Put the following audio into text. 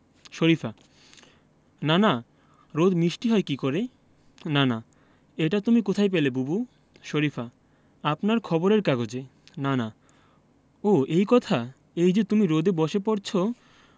শরিফা নানা রোদ মিষ্টি হয় কী করে নানা এটা তুমি কোথায় পেলে বুবু শরিফা আপনার খবরের কাগজে নানা ও এই কথা এই যে তুমি রোদে বসে পড়ছ